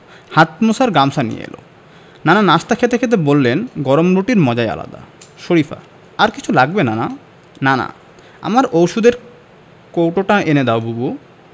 হাত মোছার গামছা নিয়ে এলো নানা নাশতা খেতে খেতে বললেন গরম রুটির মজাই আলাদা শরিফা আর কিছু লাগবে নানা নানা আমার ঔষধের কৌটোটা এনে দাও বুবু